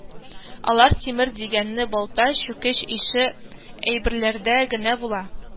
Алар тимер дигәнне балта, чүкеч ише әйберләрдә генә була